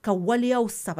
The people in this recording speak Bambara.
Ka waleya saba